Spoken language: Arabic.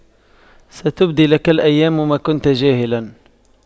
ستبدي لك الأيام ما كنت جاهلا